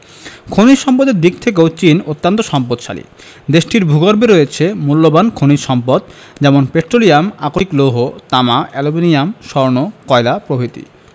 খনিজ সম্পদের দিক থেকেও চীন অত্যান্ত সম্পদশালী দেশটির ভূগর্ভে রয়েছে মুল্যবান খনিজ সম্পদ যেমন পেট্রোলিয়াম আকরিক লৌহ তামা অ্যালুমিনিয়াম স্বর্ণ কয়লা প্রভৃতি